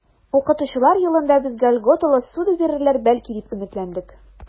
Укытучылар елында безгә льготалы ссуда бирерләр, бәлки, дип өметләндек.